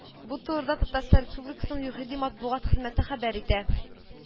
Бу турыда Татарстан Республикасының ЮХИДИ матбугат хезмәте хәбәр итә